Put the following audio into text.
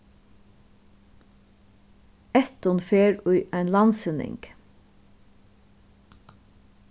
ættin fer í ein landsynning